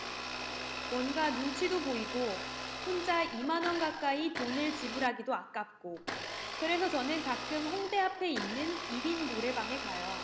뭔가 눈치도 보이고 혼자 이 만 원 가까이 돈을 지불하기도 아깝고 그래서 저는 가끔 홍대앞에 있는 일 인 노래방에 가요